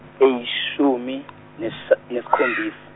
eyishumi nesi- nesikhombisa.